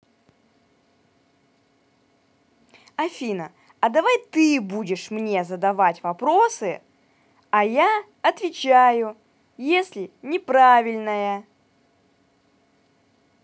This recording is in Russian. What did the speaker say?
афина а давай ты будешь мне задавать вопросы а я отвечаю если неправильная